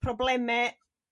probleme